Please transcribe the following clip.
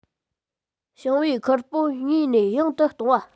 ཞིང པའི ཁུར པོ དངོས གནས ཡང དུ གཏོང བ